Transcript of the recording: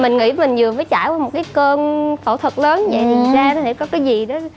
mình nghĩ mình vừa phải trải qua một cái cơn phẫu thuật lớn dậy mình ra có thể có cái gì đó